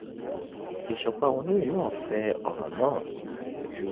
Ìsọ̀kan àwọn Oníròyìn náà fẹ ọ̀rọ̀ náà lójú: